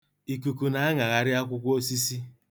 Ikuku na-aṅagharị akwụkwọ osisi.